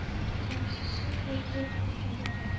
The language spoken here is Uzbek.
jamshid shunday deb iziga qaytdi